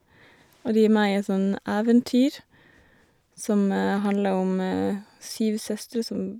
Og de er med i et sånn eventyr som handler om syv søstre som...